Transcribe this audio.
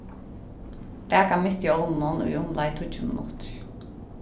baka mitt í ovninum í umleið tíggju minuttir